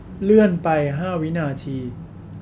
เลื่อนไปห้าวินาที